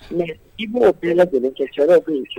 Mɛ i b'o bɛɛ minɛ kɛ fɛn bɛ yen